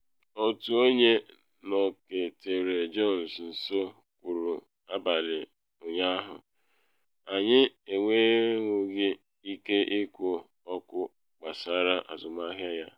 Otu onye nọketere Jones nso kwuru abalị ụnyahụ “Anyị enwenwughi ike ikwu okwu gbasara azụmahịa ya.”